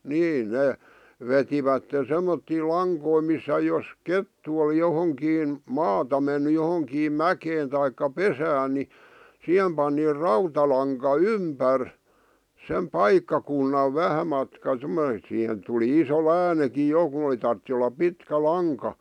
niin ne vetivät semmoisia lankoja missä jos kettu oli johonkin maata mennyt johonkin mäkeen tai pesään niin siihen pani rautalanka ympäri sen paikkakunnan vähän matka semmoinen että siihen tuli iso läänikin jo kun oli tarvitsi olla pitkä lanka